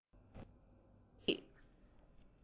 གཙང ཞིང མཛེས པ